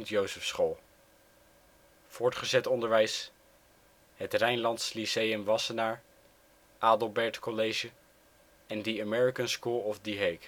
Jozefschool Voortgezet onderwijs: Het Rijnlands Lyceum Wassenaar Adelbert College The American School of The